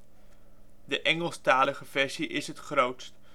Engelstalige versie is het grootst